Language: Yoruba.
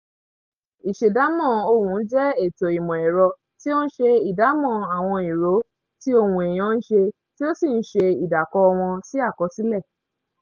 Ìṣèdámọ̀ ohùn jẹ́ ètò ìmọ̀-ẹ̀rọ tí ó ń ṣe ìdámọ̀ àwọn ìró tí ohùn èèyàn ń ṣe tí ó sì ń ṣe ìdàkọ wọn sí àkọsílẹ̀.